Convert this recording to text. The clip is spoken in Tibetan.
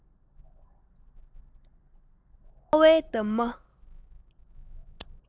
ཁ བའི འདབ མ